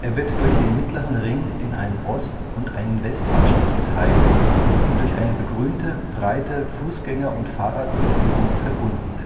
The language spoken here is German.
wird durch den Mittleren Ring (Garmischer Straße) in einen Ost - und einen Westabschnitt geteilt, die durch eine begrünte, breite Fußgänger - und Fahrradüberführung verbunden